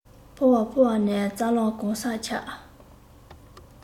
ཕོ བ ཕོ བ ནས རྩ ལམ གང སར ཁྱབ